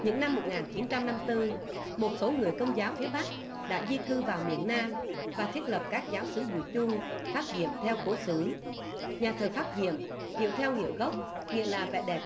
những năm một ngàn chín trăm năm tư một số người công giáo phía bắc đã di cư vào miền nam và thiết lập các giáo xứ bùi chu phát diệm theo cố xứ nhà thờ phát diệm hiểu theo nghĩa gốc nghĩa là vẻ đẹp